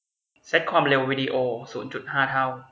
เซ็ตความเร็ววีดีโอศูนย์จุดห้าเท่า